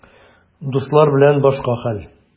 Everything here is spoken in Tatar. Дуслар белән башка хәл.